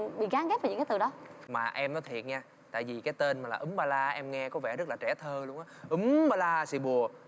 bị gán ghép vào những cái từ đó mà em nói thiệt nghe tại vì cái tên là úm ba la em nghe có vẻ rất là trẻ thơ luôn úm ba la xì bùa